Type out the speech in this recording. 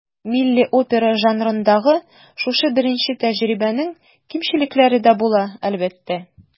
Милли опера жанрындагы шушы беренче тәҗрибәнең кимчелекләре дә була, әлбәттә.